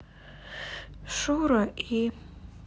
шура и